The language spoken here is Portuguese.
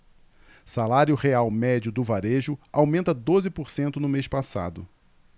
salário real médio do varejo aumenta doze por cento no mês passado